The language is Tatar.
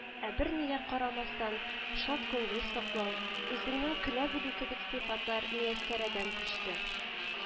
Ә бернигә карамастан, шат күңел саклау, үзеңнән көлә белү кебек сыйфатлар мияссәрәдән күчте